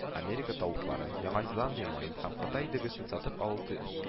Америка тавыкларын, Яңа Зеландия маен һәм Кытай дөгесен сатып алу тое